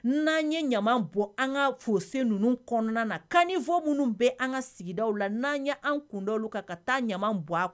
N'an ye ɲama bɔ an ka fosen ninnu kɔnɔna na kan fɔ minnu bɛ an ka sigidaw la n'an ye an kunda kan ka taa ɲama bɔ a